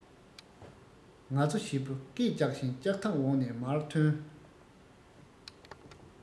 ང ཚོ བཞི པོ སྐད རྒྱག བཞིན ལྕག ཐབས འོག ནས མར ཐོན